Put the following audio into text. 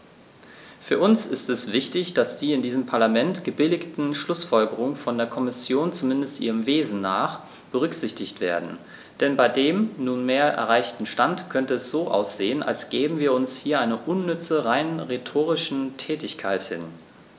Für uns ist es wichtig, dass die in diesem Parlament gebilligten Schlußfolgerungen von der Kommission, zumindest ihrem Wesen nach, berücksichtigt werden, denn bei dem nunmehr erreichten Stand könnte es so aussehen, als gäben wir uns hier einer unnütze, rein rhetorischen Tätigkeit hin.